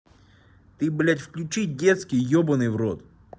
ты блядь выключи детский ебаный в рот